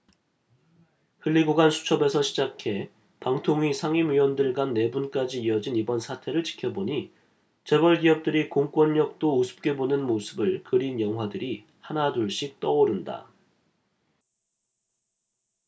흘리고간 수첩에서 시작해 방통위 상임위원들 간 내분까지 이어진 이번 사태를 지켜보니 재벌 기업들이 공권력도 우습게 보는 모습을 그린 영화들이 하나둘씩 떠오른다